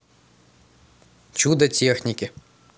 чудо техники